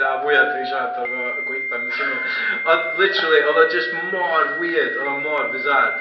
A mwya dwi'n siarad amdana fo y gwaethaf ma'n swnio ond literally oedd o jyst mor weird oedd o mor bizzare